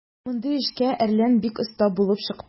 Мондый эшкә "Әрлән" бик оста булып чыкты.